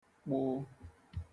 kpụ